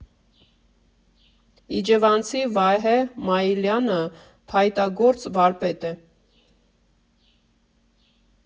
Իջևանցի Վահե Մայիլյանը փայտագործ վարպետ է։